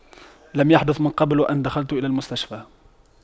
لم يحدث من قبل ان دخلت الى المستشفى